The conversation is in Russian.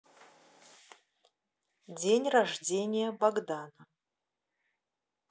день рождения богдана